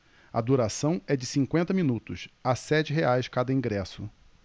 a duração é de cinquenta minutos a sete reais cada ingresso